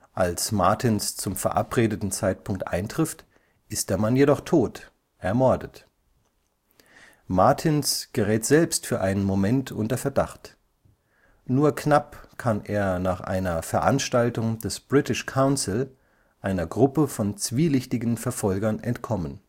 Als Martins zum verabredeten Zeitpunkt eintrifft, ist der Mann jedoch tot, ermordet. Martins gerät selbst für einen Moment unter Verdacht. Nur knapp kann er nach einer Veranstaltung des British Council einer Gruppe von zwielichtigen Verfolgern entkommen